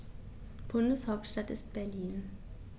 Bundeshauptstadt ist Berlin.